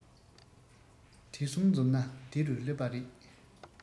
དེ གསུམ འཛོམས ན དེ རུ སླེབས པ རེད